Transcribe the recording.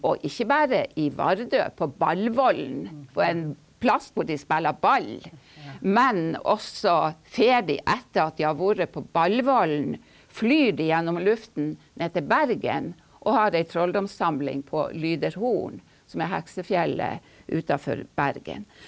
og ikke bare i Vardø på Ballvollen, på en plass der de speller ball, men også farer de etter at de har vært på Ballvollen, flyr de gjennom luften ned til Bergen og har ei trolldomssamling på Lyderhorn, som er heksefjellet utafor Bergen.